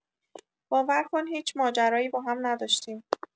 باور کن هیچ ماجرایی با هم نداشتیم.